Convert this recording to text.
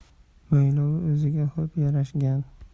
mo'ylovi o'ziga xo'p yarashgan